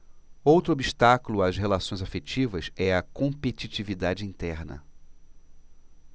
outro obstáculo às relações afetivas é a competitividade interna